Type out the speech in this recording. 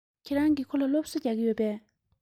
ཁྱེད རང གིས ཁོ ལ སློབ གསོ རྒྱག གི ཡོད པས